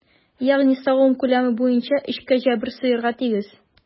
Ягъни савым күләме буенча өч кәҗә бер сыерга тигез.